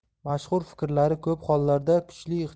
mashhur fikrlari ko'p hollarda kuchli